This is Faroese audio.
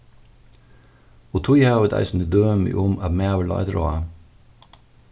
og tí hava vit eisini dømi um at maður lá eftir á